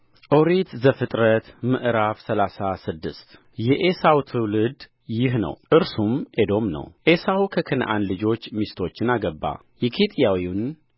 ኦሪት ዘፍጥረት ምዕራፍ ሰላሳ ስድስት የዔሳው ትውልድ ይህ ነው እርሱም ኤዶም ነው ዔሳው ከከነዓን ልጆች ሚስቶችን አገባ የኬጢያዊውን